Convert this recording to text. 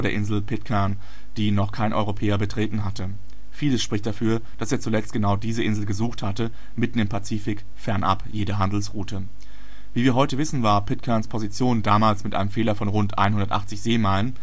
Insel Pitcairn, die noch kein Europäer betreten hatte. Vieles spricht dafür, dass er zuletzt genau diese Insel gesucht hatte, mitten im Pazifik, fernab jeder Handelsroute. Wie wir heute wissen, war Pitcairns Position damals mit einem Fehler von rund 180 Seemeilen